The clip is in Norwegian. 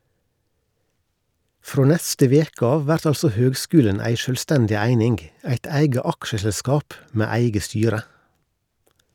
Frå neste veke av vert altså høgskulen ei sjølvstendig eining eit eige aksjeselskap med eige styre.